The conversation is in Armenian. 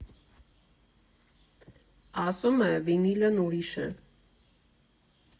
Ասում է՝ վինիլն ուրիշ է։